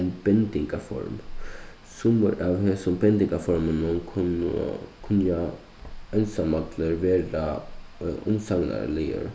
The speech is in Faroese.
ein bendingarform summir av hesum bendingarformunum kunnu kunna einsamallir verða umsagnarliðir